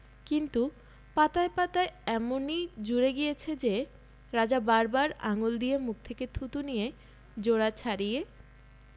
কিন্তু পাতায় পাতায় এমনি জুড়ে গিয়েছে যে রাজা বার বার আঙুল দিয়ে মুখ থেকে থুথু নিয়ে জোড়া ছাড়িয়ে